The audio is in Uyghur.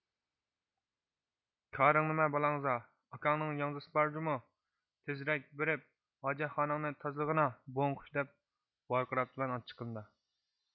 كارىڭ نېمە بالاڭزا ئاكاڭنىڭ ياڭزىسى بار جۇمۇ تېزرەك بېرىپ ھاجەتخانەڭنى تازىلىغىنا بوڭقۇش دەپ ۋارقىراپتىمەن ئاچچىقىمدا